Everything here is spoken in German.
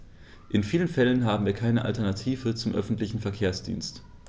In vielen Fällen haben wir keine Alternative zum öffentlichen Verkehrsdienst.